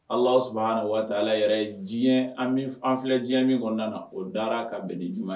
Ala saba waati ala yɛrɛ ye an filɛ diɲɛ min kɔnɔna nana o da ka bɛn ni diɲɛ ye